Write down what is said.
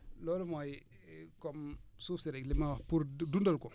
loolu mooy comme suuf si rek li ma wax pour dundal ko